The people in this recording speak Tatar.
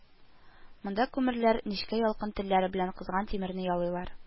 Монда күмерләр нечкә ялкын телләре белән кызган тимерне ялыйлар